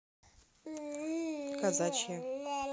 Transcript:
казачья